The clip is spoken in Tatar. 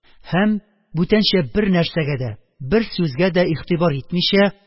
Һәм, бүтәнчә бернәрсәгә дә, бер сүзгә дә игътибар итмичә,